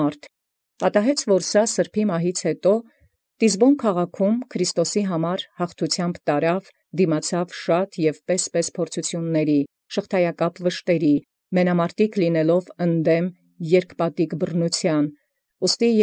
Որում դէպ լինէր յետ վախճանի սրբոյն, բազում և ազգի ազգի փորձութեանց և կապանաւոր վշտաց, մենամարտիկ երկպատական բռնութեանն, ի Տիզբոն քաղաքի վասն Քրիստոսի յաղթութեամբ տարեալ համբերեաց. վասն որոյ։